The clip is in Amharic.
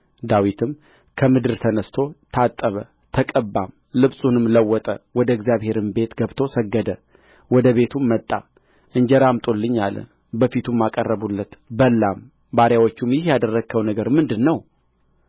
ዳዊትም ከምድር ተነሥቶ ታጠበ ተቀባም ልብሱንም ለወጠ ወደ እግዚአብሔርም ቤት ገብቶ ሰገደ ወደ ቤቱም መጣ እንጀራ አምጡልኝ አለ በፊቱም አቀረቡለት በላም ባሪያዎቹም ይህ ያደረግኸው ነገር ምንድር ነው